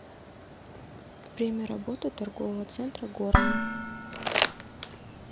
время работы торгового центра горный